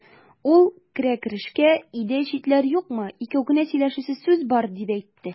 Ул керә-керешкә: "Өйдә читләр юкмы, икәү генә сөйләшәсе сүз бар", дип әйтте.